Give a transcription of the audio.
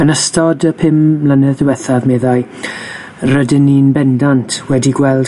Yn ystod y pum mlynedd diwethaf, meddai, rydyn ni'n bendant wedi gweld